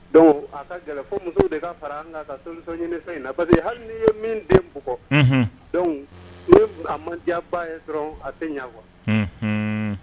Dɔnku a ka kɛlɛ fo musow de ka fara an' ka sanusɔn ɲini fɛn in na parce hali n'i ye min denugɔ dɔnku i a mandiyaba ye sɔrɔ a tɛ ɲɛwa